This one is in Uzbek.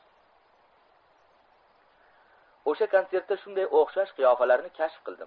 o'sha kontsertda shunday o'xshash qiyofalarni kashf qildim